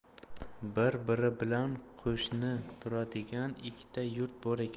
bir biri bilan qo'shni turadigan ikkita yurt bor ekan